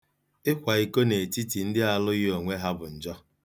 Ịkwa iko n'etiti ndị alụghị onwe ha bụ njọ.